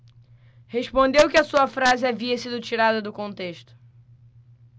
respondeu que a sua frase havia sido tirada do contexto